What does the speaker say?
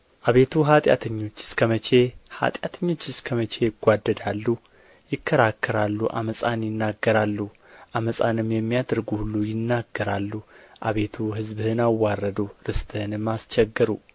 አቤቱ ኃጢአተኞች እስከ መቼ ኃጢአተኞች እስከ መቼ ይጓደዳሉ ይከራከራሉ ዓመፃንም ይናገራሉ ዓመፃንም የሚያደርጉ ሁሉ ይናገራሉ አቤቱ ሕዝብን አዋረዱ ርስትህንም አስቸገሩ